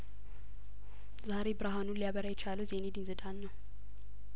ዛሬ ብርሀኑንን ሊያበራ የቻለው ዜኔዲን ዝዳን ነው